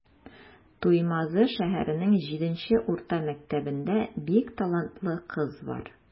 Туймазы шәһәренең 7 нче урта мәктәбендә бик талантлы кыз бар.